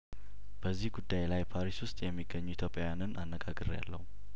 በዚህ ጉዳይ ላይ ፓሪስ ውስጥ የሚገኙ ኢትዮጵያውያንን አነጋግሬያለሁ